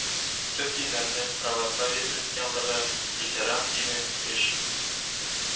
Төп диннәре православие христианлыгы, лютеран дине өч